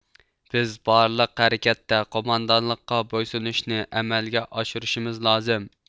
بىز بارلىق ھەرىكەتتە قوماندانلىققا بويسۇنۇشنى ئەمەلگە ئاشۇرۇشىمىز لازىم